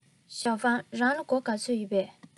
ཞའོ ཧྥང རང ལ སྒོར ག ཚོད ཡོད པས